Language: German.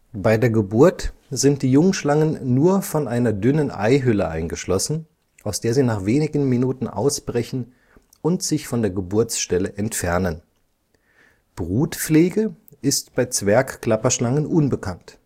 Bei der Geburt sind die Jungschlangen nur vor einer dünnen Eihülle eingeschlossen, aus der sie nach wenigen Minuten ausbrechen und sich von der Geburtsstelle entfernen. Brutpflege ist bei Zwergklapperschlangen unbekannt